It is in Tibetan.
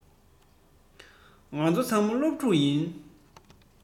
ང ཚོ ཚང མ སློབ ཕྲུག ཡིན